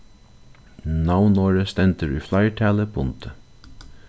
navnorðið stendur í fleirtali bundið